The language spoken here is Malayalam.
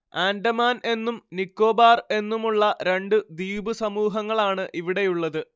ആൻഡമാൻ എന്നും നിക്കോബാർ എന്നുമുള്ള രണ്ടു ദ്വീപുസമൂഹങ്ങളാണ് ഇവിടെയുള്ളത്